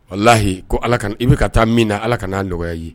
Wala layi ko ala i bɛ ka taa min na ala ka kana'a nɔgɔya ye